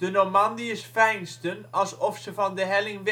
Normandiërs veinsden alsof ze van de helling